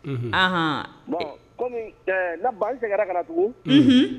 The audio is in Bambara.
Unhun, anhan, bon komi ne ba n seginna ka na tugun, unhun